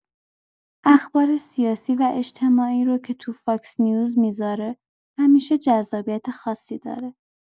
اخبار سیاسی و اجتماعی رو که تو فاکس‌نیوز می‌ذاره، همیشه جذابیت خاصی داره.